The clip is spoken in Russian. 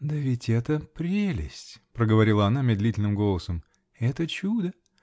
-- Да ведь это прелесть, -- проговорила она медлительным голосом, -- это чудо!